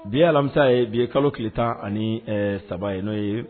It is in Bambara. Bi alamisa ye bi ye kalo ki tan ani saba ye n'o ye